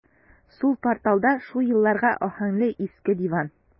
Сул порталда шул елларга аһәңле иске диван.